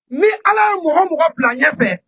Ni ala ye mɔgɔ mɔgɔ bila ɲɛ fɛ